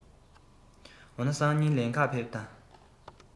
འོ ན སང ཉིན ལེན ག ཕེབས དང